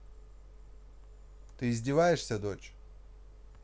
ты издеваешься дочь